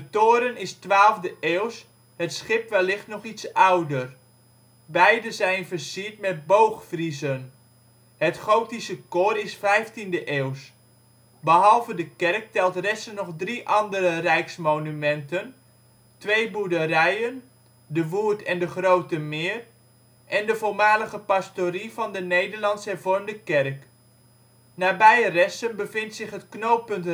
toren is 12e eeuws, het schip wellicht nog iets ouder. Beide zijn versierd met boogfriezen. Het gotische koor is 15e eeuws. Behalve de kerk telt Ressen nog drie andere rijksmonumenten: twee boerderijen (De Woerdt en De Grote Meer), en de voormalige pastorie van de Nederlands-hervormde kerk. Nabij Ressen bevindt zich het knooppunt